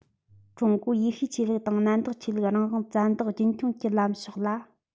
ཀྲུང གོའི ཡེ ཤུ ཆོས ལུགས དང གནམ བདག ཆོས ལུགས རང བཙན རང བདག རྒྱུན འཁྱོངས ཀྱི ལམ ཕྱོགས ལ